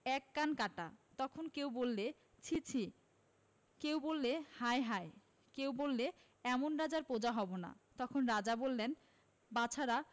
এক কান কাটা তখন কেউ বললে ছি ছি' কেউ বললে হায় হায় কেউ বললে এমন রাজার প্ৰজা হব না তখন রাজা বললেন বাছারা